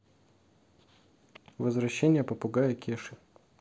возвращение попугая кеши